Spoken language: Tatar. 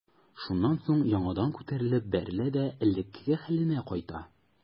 Шуннан соң яңадан күтәрелеп бәрелә дә элеккеге хәленә кайта.